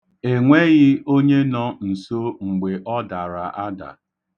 E nweghị onye nọ nso mgbe ọ dara ada.